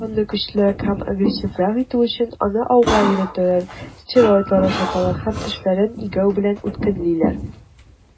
Хайванны көчлерәк һәм агрессиврак итү өчен, аны ауга өйрәтәләр, стероидлар ашаталар һәм тешләрен игәү белән үткенлиләр.